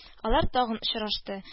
Алар тагын очрашты